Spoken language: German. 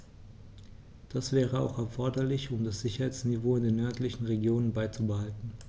Das wäre auch erforderlich, um das Sicherheitsniveau in den nördlichen Regionen beizubehalten.